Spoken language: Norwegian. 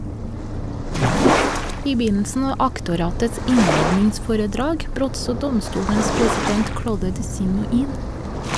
I begynnelsen av aktoratets innledningsforedrag brøt så domstolens president Claude Disimo inn.